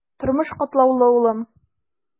Тормыш катлаулы, улым.